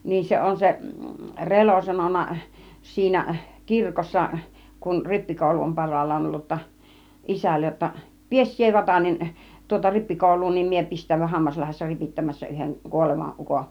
niin se on se Relo sanonut siinä kirkossa kun rippikoulu on parhaillaan ollut jotta isälle jotta pidä sinä Vatanen tuota rippikoulua niin minä pistäydyn Hammaslahdessa ripittämässä yhden kuolevan ukon